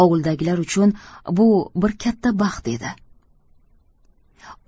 ovuldagilar uchun bu bir katta baxt edi